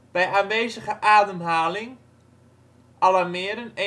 Bij aanwezige ademhaling: alarmeren